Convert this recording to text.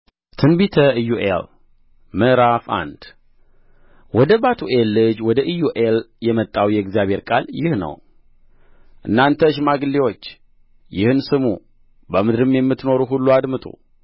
ትንቢተ ኢዮኤል ምዕራፍ አንድ ወደ ባቱኤል ልጅ ወደ ኢዩኤል የመጣው የእግዚአብሔር ቃል ይህ ነው እናንተ ሽማግሌዎች ይህን ስሙ በምድርም የምትኖሩ ሁሉ አድምጡ